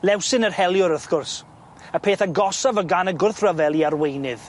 Lewsyn yr heliwr wrth gwrs, y peth agosaf o'dd gan y gwrthryfel i arweinydd.